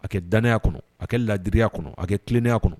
A kɛ danya kɔnɔ a ka kɛ ladiriyaya kɔnɔ a ka kɛ tilennenya kɔnɔ